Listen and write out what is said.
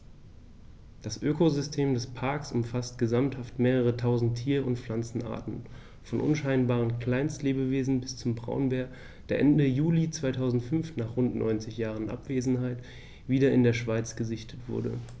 Das Ökosystem des Parks umfasst gesamthaft mehrere tausend Tier- und Pflanzenarten, von unscheinbaren Kleinstlebewesen bis zum Braunbär, der Ende Juli 2005, nach rund 90 Jahren Abwesenheit, wieder in der Schweiz gesichtet wurde.